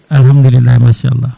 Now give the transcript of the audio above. ahamdurillahi machalla